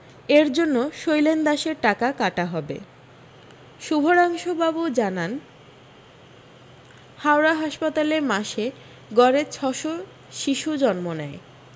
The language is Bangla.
এর জন্য শৈলেন দাসের টাকা কাটা হবে শুভরাংশুবাবু জানান হাওড়া হাসপাতালে মাসে গড়ে ছশো শিশু জন্ম নেয়